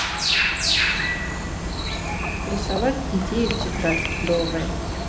рисовать идеи в тетрадь клевые